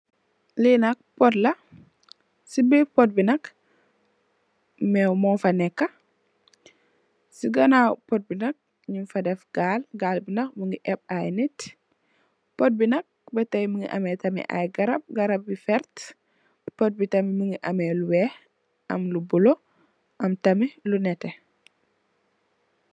Lii nak pot la, cii birr pot bii nak meww mofa neka, cii ganaw pot bii nak njung fa deff gaal, gaal bii nak mungy ehbb aiiy nitt, pot bii nak beh tei mungy ameh tamit aiiy garab, garab yu vertue, pot bii tamit mungy ameh lu wekh, am lu bleu, am tamit lu nehteh.